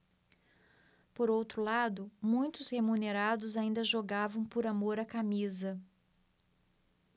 por outro lado muitos remunerados ainda jogavam por amor à camisa